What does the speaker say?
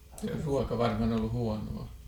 ja ruoka varmaan on ollut huonoa